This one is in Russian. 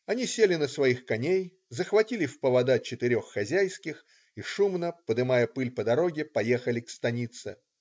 Они сели на своих коней, захватили в повода четырех хозяйских и шумно, подымая пыль по дороге, поехали к станице.